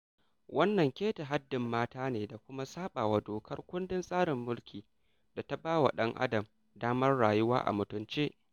Wannan keta haddin mata ne da kuma saɓawa dokar kundin tsarin mulki da ta ba wa ɗan adam damar rayuwa a mutunce.